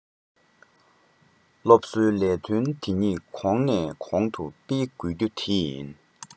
སློབ གསོའི ལས དོན འདི ཉིད གོང ནས གོང དུ སྤེལ དགོས རྒྱུ དེ ཡིན